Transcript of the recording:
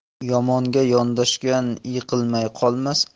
yomonga yondashgan yiqilmay qolmas